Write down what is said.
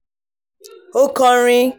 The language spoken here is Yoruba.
Ó kọrin: